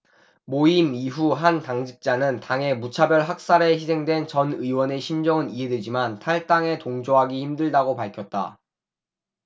모임 이후 한 당직자는 당의 무차별 학살에 희생된 전 의원의 심정은 이해되지만 탈당에 동조하기 힘들다고 밝혔다